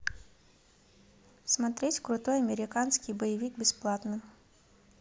смотреть крутой американский боевик бесплатно